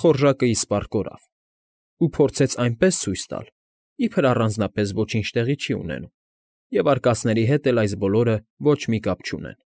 Ախորժակն իսպառ կորավ) ու փորձեց այնպես ցույց տալ, իբր առանձնապես ոչինչ տեղի չի ունենում և արկածների հետ էլ այս բոլորը ոչ մի կապ չունեն։